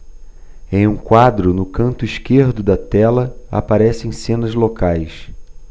em um quadro no canto esquerdo da tela aparecem cenas locais